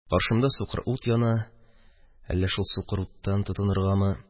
Каршымда сукыр ут яна, әллә шул сукыр уттан тотыныргамы?